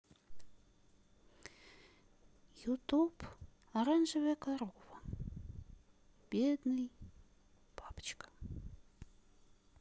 ютуб оранжевая корова бедный папочка